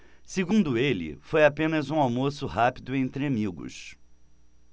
segundo ele foi apenas um almoço rápido entre amigos